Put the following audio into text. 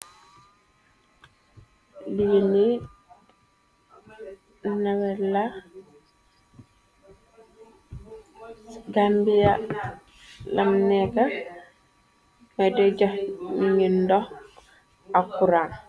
liini newelagambia lam neeka fote jax ñi ngi ndox ak kuran